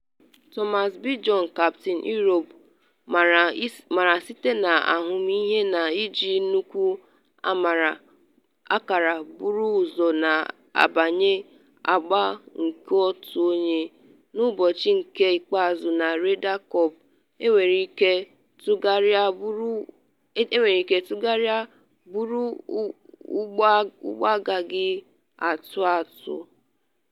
Thomas Bjorn, kaptịn Europe, maara site na ahụmihe na iji nnukwu akara buru ụzọ na-abanye agba nke otu onye n’ụbọchị nke ikpeazụ na Ryder Cup nwere ike tugharịa bụrụ ụgbọ agaghị atọ ụtọ.